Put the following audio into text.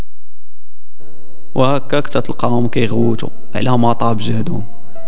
واكدت القانون كيهود و الله ما طاب ذكرهم